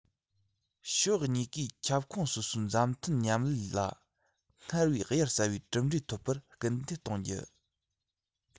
ཕྱོགས གཉིས ཀའི ཁྱབ ཁོངས སོ སོའི མཛའ མཐུན མཉམ ལས ལ སྔར བས གཡུར ཟ བའི གྲུབ འབྲས འཐོབ པར སྐུལ འདེད གཏོང རྒྱུ